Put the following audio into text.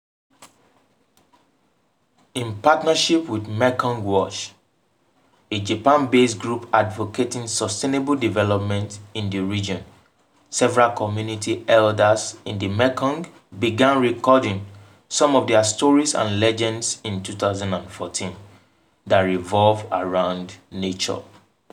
In partnership with Mekong Watch, a Japan-based group advocating sustainable development in the region, several community elders in the Mekong began recording some of their stories and legends in 2014 that revolve around nature.